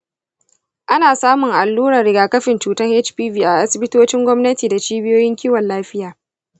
ana samun allurar rigakafin cutar hpv a asibitocin gwamnati da cibiyoyin kiwon lafiya.